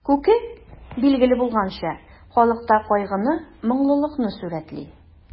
Күке, билгеле булганча, халыкта кайгыны, моңлылыкны сурәтли.